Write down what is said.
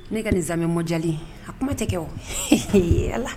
Ne ka nin z zanmɛmoja a kuma tɛ kɛ o ala